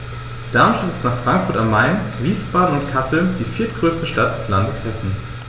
Darmstadt ist nach Frankfurt am Main, Wiesbaden und Kassel die viertgrößte Stadt des Landes Hessen